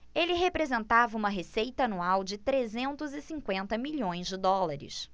ele representava uma receita anual de trezentos e cinquenta milhões de dólares